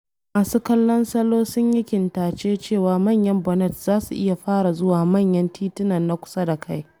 Masu kallon salo sun yi kintace cewa manyan bonnets za su iya fara zuwa manyan titunan na kusa da kai.